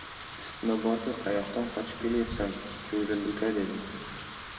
isitma bor ku qayoqdan qochib kelyapsan chuvrindi uka dedi